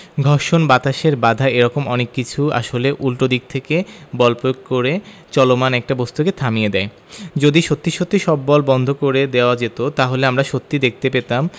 ঘর্ষণ বাতাসের বাধা এ রকম অনেক কিছু আসলে উল্টো দিক থেকে বল প্রয়োগ করে চলমান একটা বস্তুকে থামিয়ে দেয় যদি সত্যি সত্যি সব বল বন্ধ করে দেওয়া যেত তাহলে আমরা সত্যিই দেখতে পেতাম